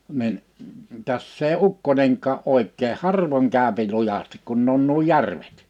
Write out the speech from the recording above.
niin tässä ei ukkonenkaan oikein harvoin käy lujasti kun ne on nuo järvet